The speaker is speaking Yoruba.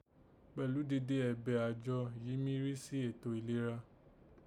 Pẹ̀lú dede ẹ̀bẹ̀ àjọ yìí mí rí sí ètò ìlera